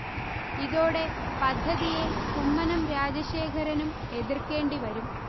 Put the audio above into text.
ഇതോടെ പദ്ധതിയെ കുമ്മനം രാജശേഖരനും എതിർക്കേണ്ടി വരും